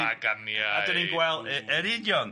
Baganiaid, a dan ni'n gweld yy yn union.